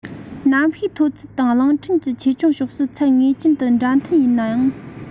གནམ གཤིས མཐོ ཚད དང གླིང ཕྲན གྱི ཆེ ཆུང ཕྱོགས སུ ཚད ངེས ཅན དུ འདྲ མཐུན ཡིན ནའང